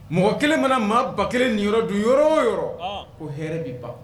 Mɔgɔ kelen mana maa ba kelen ni yɔrɔ don yɔrɔ o yɔrɔ ko hɛrɛ bɛ ban